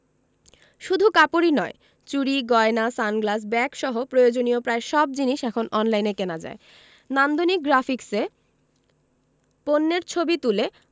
শুধু কাপড়ই নয় চুড়ি গয়না সানগ্লাস ব্যাগসহ প্রয়োজনীয় প্রায় সব জিনিস এখন অনলাইনে কেনা যায় নান্দনিক গ্রাফিকসে পণ্যের ছবি তুলে